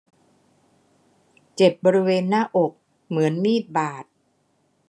เจ็บบริเวณหน้าอกเหมือนมีดบาด